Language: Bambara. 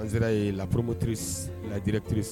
Ransera ye laporoomot ladiretiurrisi